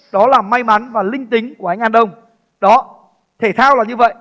đó là may mắn và linh tính của anh an đông đó thể thao là như vậy